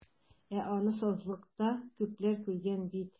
Ә аны сазлыкта күпләр күргән бит.